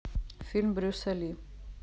фильм брюса ли